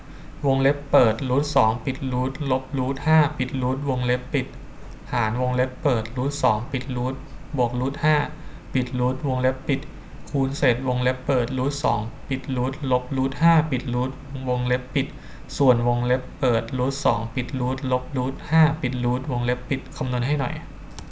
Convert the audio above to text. วงเล็บเปิดรูทสองปิดรูทลบรูทห้าปิดรูทวงเล็บปิดหารวงเล็บเปิดรูทสองปิดรูทบวกรูทห้าปิดรูทวงเล็บปิดคูณเศษวงเล็บเปิดรูทสองปิดรูทลบรูทห้าปิดรูทวงเล็บปิดส่วนวงเล็บเปิดรูทสองปิดรูทลบรูทห้าปิดรูทวงเล็บปิดคำนวณให้หน่อย